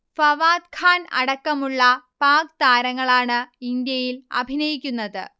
ഫവാദ്ഖാൻ അടക്കമുള്ള പാക് താരങ്ങളാണ് ഇന്ത്യയിൽ അഭിനയിക്കുന്നത്